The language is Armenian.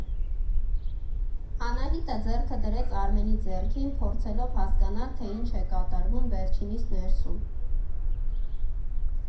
Անահիտը ձեռքը դրեց Արմենի ձեռքին, փորձելով հասկանալ, թե ինչ է կատարվում վերջինիս ներսում։